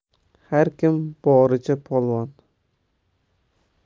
har kim boricha polvon